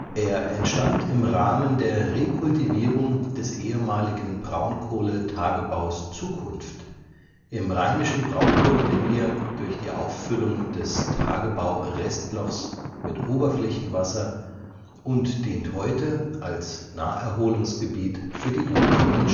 Er entstand im Rahmen der Rekultivierung des ehemaligen Braunkohletagebaus Zukunft im Rheinischen Braunkohlerevier durch die Auffüllung des Tagebaurestlochs mit Oberflächenwasser und dient heute als Naherholungsgebiet für die umliegenden